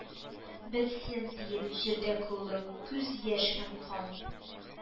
«бетсен,— диеп,— җирдә коллык, күз-яшь һәм кан!»